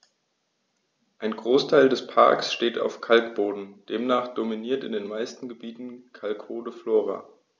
Ein Großteil des Parks steht auf Kalkboden, demnach dominiert in den meisten Gebieten kalkholde Flora.